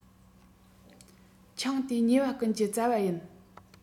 ཆང དེ ཉེས པ ཀུན གྱི རྩ བ ཡིན